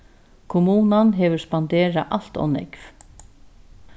kommunan hevur spanderað alt ov nógv